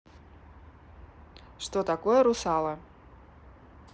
что такое русала